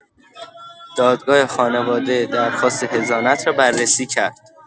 دادگاه خانواده درخواست حضانت را بررسی کرد.